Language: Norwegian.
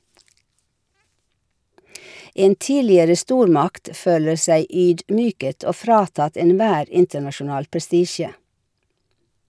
En tidligere stormakt føler seg ydmyket og fratatt enhver internasjonal prestisje.